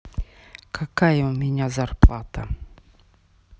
какая у меня зарплата